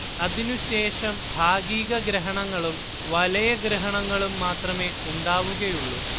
അതിനുശേഷം ഭാഗികഗ്രഹണങ്ങളും വലയഗ്രഹണങ്ങളും മാത്രമേ ഉണ്ടാവുകയുള്ളൂ